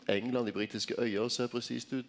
England, dei britiske øyer ser presist ut.